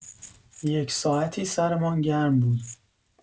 یک‌ساعتی سرمان گرم بود.